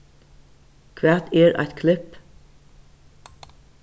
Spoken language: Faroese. hvat er eitt klipp